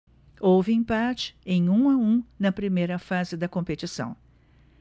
houve empate em um a um na primeira fase da competição